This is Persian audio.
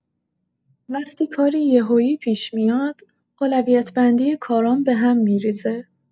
وقتی کاری یهویی پیش میاد، اولویت‌بندی کارام به هم می‌ریزه.